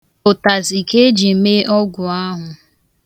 Ụtazị ka e ji mee ọgwụ ahụ.